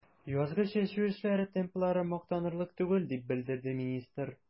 Язгы чәчү эшләре темплары мактанырлык түгел, дип белдерде министр.